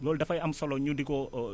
loolu dafay am solo ñu di ko